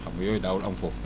xam nga yooyu daawul am foofu